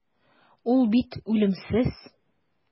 Ул бит үлемсез.